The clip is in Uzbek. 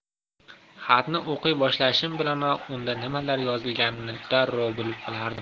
xatni o'qiy boshlashim bilanoq unda nimalar yozilganini darrov bilib olardim